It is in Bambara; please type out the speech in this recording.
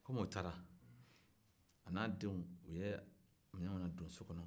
kɔmi o taara a n'a denw u ye minɛnw ladɔn so kɔnɔ